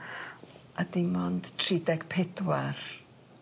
a dim ond tri deg pedwar